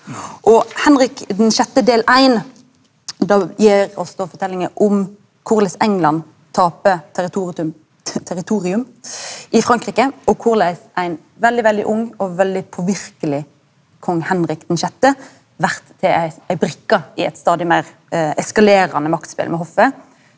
og Henrik den sjette del éin den gjev oss då fortellinga om korleis England taper territorium i Frankrike og korleis ein veldig veldig ung og veldig påverkeleg kong Henrik den sjette vert til ei ei brikka i eit stadig meir eskalerande maktspel med hoffet.